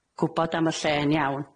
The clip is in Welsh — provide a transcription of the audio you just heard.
Gwbod am y lle yn iawn.